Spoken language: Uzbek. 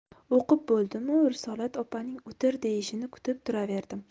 o'qib bo'ldimu risolat opaning o'tir deyishini kutib turaverdim